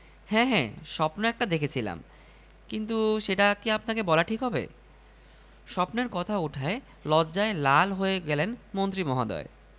আপনার বুকে কি কাঁপুনি দেয়নি একদম যে দেয়নি তা নয় তাহলে তো হলোই কী হলো আরে ভাই আপনার রহস্য উম্মোচিত হলো আপনি আসলে প্রেমে ব্যর্থ হয়েছেন